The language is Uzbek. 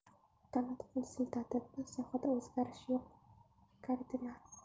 talat qo'l siltadi bu sohada o'zgarish yo'q kardinal